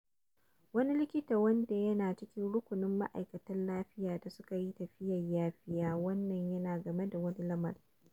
Wani likita wanda yana cikin rukunin ma'aikatan lafiya da suka yi tafiyar ya fai wannan a game da wani lamari: